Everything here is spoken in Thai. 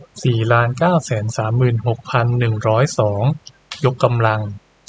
สี่ล้านเก้าแสนสามหมื่นหกพันหนึ่งร้อยสองยกกำลัง